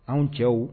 Anw cɛw